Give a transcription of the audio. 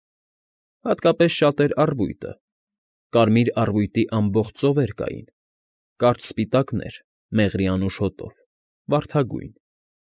Հատկապես շատ էր առվույտը. կարմիր առվույտի ամբողջ ծովեր կային, կարճ սպիտակներ՝ մեղրի անուշ հոտով, վարդագույն։